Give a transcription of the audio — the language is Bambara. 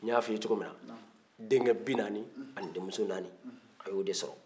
n y'a f'i ye cogo minna denkɛ binaani ani denmuso naani a y'o de sɔrɔ